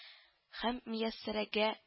Һәм Мияссәрәгә